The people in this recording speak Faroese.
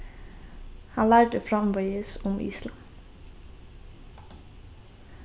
hann lærdi framvegis um islam